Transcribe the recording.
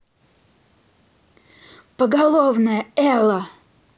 поголовная элла